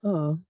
O.